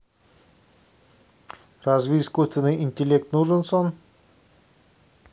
разве искусственный интеллект нужен сон